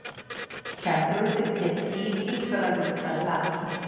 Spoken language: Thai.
ฉันรู้สึกเจ็บจี๊ดที่กระดูกสันหลัง